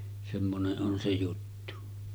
semmoinen on se juttu